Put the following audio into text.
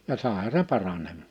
ja saihan se paranemaan